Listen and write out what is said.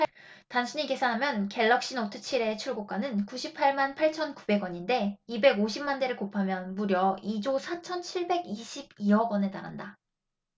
단순히 계산하면 갤럭시노트 칠 의 출고가는 구십 팔 만 팔천 구백 원인데 이백 오십 만대를 곱하면 무려 이 조 사천 칠백 이십 이 억원에 달한다